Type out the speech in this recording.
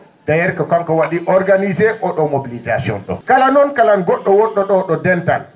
d' ailleurs ko kanko wa?i organisé oo ?oo mobilisation ?o kala noon kalan go??o won?o ?oo ?o dental